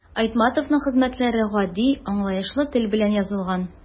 Айтматовның хезмәтләре гади, аңлаешлы тел белән язылган.